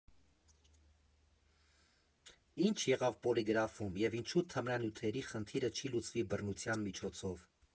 Ի՞նչ եղավ Պոլիգրաֆում և ինչո՞ւ թմրանյութերի խնդիրը չի լուծվի բռնության միջոցով։